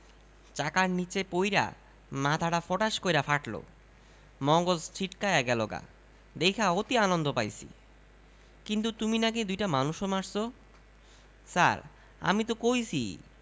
চাকার নিচে পইড়া মাথাডা ফটাস কইরা ফাটলো মগজ ছিটকায়া গেলোগা দেইখা অতি আনন্দ পাইছি কিন্তু তুমি নাকি দুইটা মানুষও মারছো ছার আমি তো কইছিই